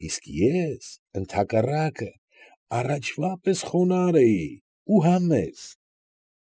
Իսկ ես, ընդհակառակը, առաջվա պես խոնարհ էի ու համեստ։